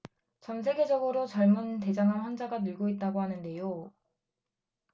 전 세계적으로 젊은 대장암 환자가 늘고 있다고 하는데요